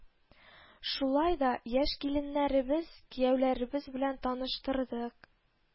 Шулай да, яшь киленнәребез, кияүләребез белән таныштырдык